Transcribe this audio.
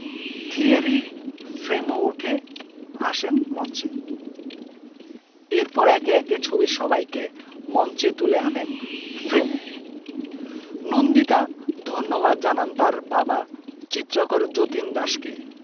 Thierry Fremaux উঠে আসেন মঞ্চে এরপর একে একে ছবির সবাইকে মঞ্চে তুলে আনেন ফ্রেমো নন্দিতা ধন্যবাদ জানান তার বাবা চিত্রকর যতীন দাসকে